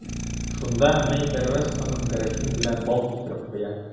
Шунда Майпәрвәз ханым графин белән бал китереп куя.